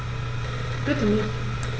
Bitte nicht.